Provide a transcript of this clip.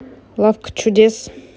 лавка чудес